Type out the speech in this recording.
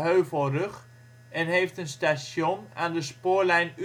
Heuvelrug, en heeft een station aan de spoorlijn